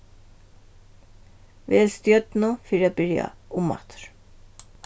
vel stjørnu fyri at byrja umaftur